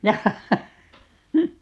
jaaha